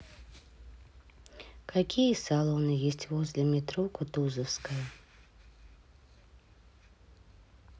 какие салоны есть возле метро кутузовская